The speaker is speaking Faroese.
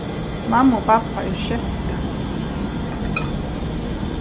mamma og babba eru skelkað